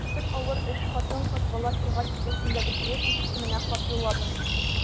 Бөтен авыр эш хатын-кыз, бала-чага җилкәсендә дип, Брежнев исеменә хат юлладым.